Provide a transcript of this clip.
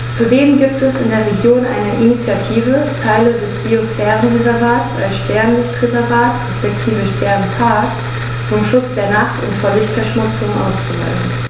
Zudem gibt es in der Region eine Initiative, Teile des Biosphärenreservats als Sternenlicht-Reservat respektive Sternenpark zum Schutz der Nacht und vor Lichtverschmutzung auszuweisen.